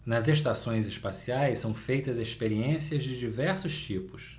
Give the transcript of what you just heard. nas estações espaciais são feitas experiências de diversos tipos